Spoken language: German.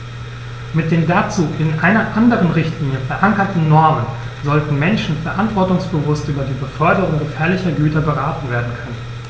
Mit den dazu in einer anderen Richtlinie, verankerten Normen sollten Menschen verantwortungsbewusst über die Beförderung gefährlicher Güter beraten werden können.